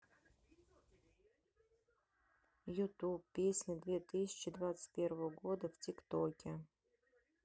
youtube песня две тысячи двадцать первого года в тик токе